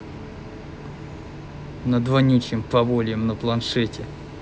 над вонючим повольем на планшете